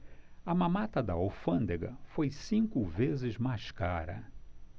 a mamata da alfândega foi cinco vezes mais cara